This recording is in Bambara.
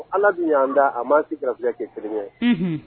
O Ala min y'an da a m'an si gɛrɛsigɛ kɛ kelen ye, Unhun.